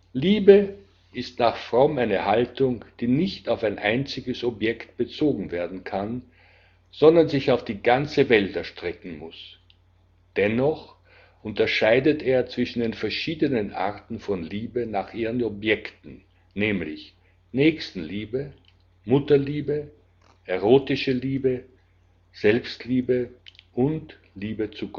Liebe ist nach Fromm eine Haltung, die nicht auf ein einziges Objekt bezogen werden kann, sondern sich auf die ganze Welt erstrecken muss. Dennoch unterscheidet er zwischen den verschiedenen Arten von Liebe nach ihren Objekten, nämlich Nächstenliebe, Mutterliebe, erotische Liebe, Selbstliebe und Liebe zu